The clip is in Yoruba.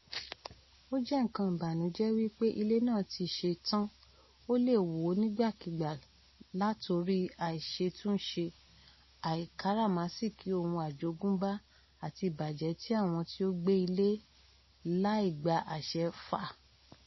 Ó jẹ́ nǹkan ìbànújẹ́ wípé ilé náà ti ṣe tán, ó lè wó nígbàkigbà látorí àìṣàtúnṣe, àìkáràmáìsìkí ohun àjogúnbá, àti ìbàjẹ́ tí àwọn tí ó gbé ilé láì gba àṣẹ ń fà.